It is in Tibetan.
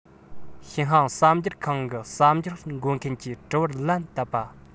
ཞིན ཧྭ གསར འགྱུར ཁང གི གསར འགྱུར འགོད མཁན གྱི དྲི བར ལན བཏབ པ